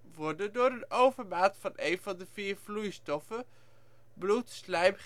worden door een overmaat van één van de vier vloeistoffen, bloed, slijm